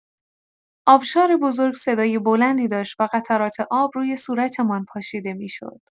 آب‌شار بزرگ صدای بلندی داشت و قطرات آب روی صورتمان پاشیده می‌شد.